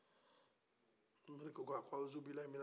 anbarike ko awuzubila yi